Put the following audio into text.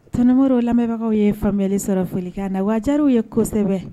Tmo lamɛnbagaw ye fanli sɔrɔ foli kan na wadiw ye kosɛbɛ